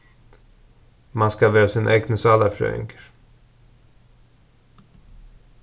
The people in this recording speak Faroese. mann skal vera sín egni sálarfrøðingur